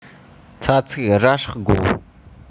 ས ཚིག ར སྲེག དགོ